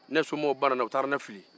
ne somɔgɔw banna n na u taara ne fili